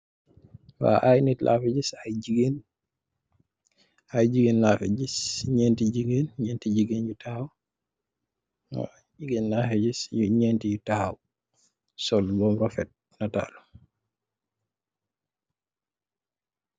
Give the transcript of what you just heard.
Wa aiiy nit laafi gis aiiy gigain, aiiy gigain laafi gis, njenti gigain, njenti gigain nju takhaw wa, gigain laafi gis yu njenti yu takhaw sol bahm rafet natalu.